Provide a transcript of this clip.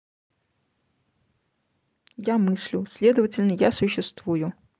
я мыслю следовательно я существую